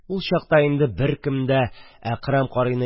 Ул чакта инде беркем дә Әкрәм карый